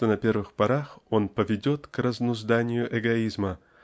что на первых порах он поведет к разнузданию эгоизма